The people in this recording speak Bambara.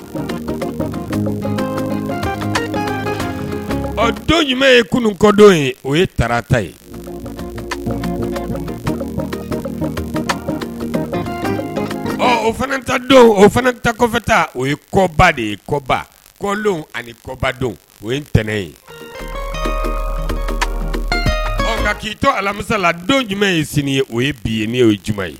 Ɔ don jumɛn ye kunun kɔdo ye o ye tarata ye o fanata o fanatafɛta o ye kɔba de ye kɔba kɔdon ani kɔba don o ye tɛnɛnɛnɛ ye ɔ nka'itɔ alamisa la don jumɛn in sini ye o ye bi ye n' o ye j ye